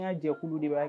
N ka jɛkulu de b'a